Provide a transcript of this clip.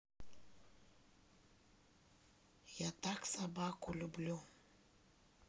я так собаку люблю